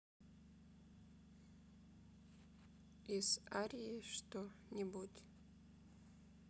из арии что нибудь